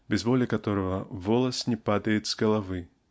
без воли Которого волос не падает с головы.